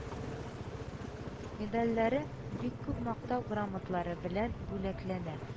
Медальләре, бик күп мактау грамоталары белән бүләкләнә,